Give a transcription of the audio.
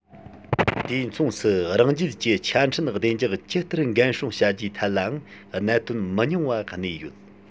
དུས མཚུངས སུ རང རྒྱལ གྱི ཆ འཕྲིན བདེ འཇགས ཇི ལྟར འགན སྲུང བྱ རྒྱུའི ཐད ལའང གནད དོན མི ཉུང བ གནས ཡོད